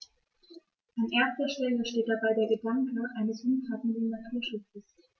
An erster Stelle steht dabei der Gedanke eines umfassenden Naturschutzes.